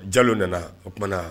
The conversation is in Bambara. Jalo nana o tuma na